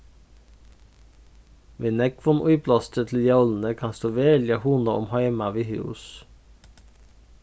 við nógvum íblástri til jólini kanst tú veruliga hugna um heima við hús